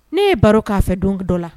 Ne ye baro k'a fɛ don dɔ la